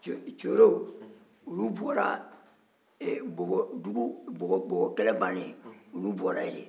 cero olu bɔra bɔbɔdugu la bɔbɔkɛlɛ bannen